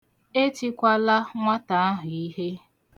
Etikwala nwata ahụ ihe.